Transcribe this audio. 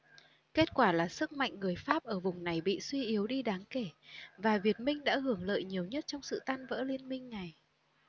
kết quả là sức mạnh người pháp ở vùng này bị suy yếu đi đáng kể và việt minh đã hưởng lợi nhiều nhất trong sự tan vỡ liên minh này